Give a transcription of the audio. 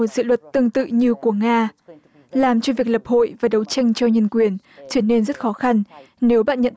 dự luật tương tự như của nga làm chuyên viên hiệp hội và đấu tranh cho nhân quyền trở nên rất khó khăn nếu bạn nhận